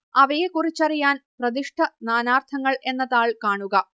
അവയെക്കുറിച്ചറിയാൻ പ്രതിഷ്ഠ നാനാർത്ഥങ്ങൾ എന്ന താൾ കാണുക